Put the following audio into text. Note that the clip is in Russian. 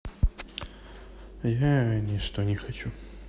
я ни что не хочу